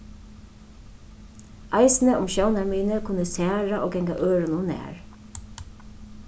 eisini um sjónarmiðini kunnu særa og ganga øðrum ov nær